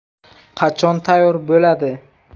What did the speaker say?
qachon tayyor bo'ladi